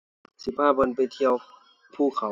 สิพาเพิ่นไปเที่ยวภูเขา